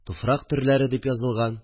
«туфрак төрләре» дип язылган